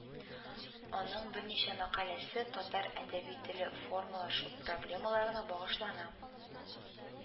Аның берничә мәкаләсе татар әдәби теле формалашу проблемаларына багышлана